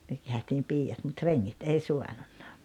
me käytiin piiat mutta rengit ei saanut